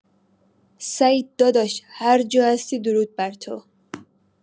سعید داداش هر جا هستی درود بر تو!